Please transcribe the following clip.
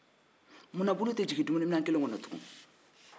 munna bolo tɛ jigin dumuniminɛn kelen kɔnɔ tugun